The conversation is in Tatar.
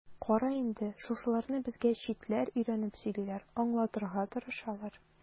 Кара инде, шушыларны безгә читләр өйрәнеп сөйлиләр, аңлатырга тырышалар.